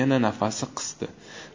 yana nafasi qisdi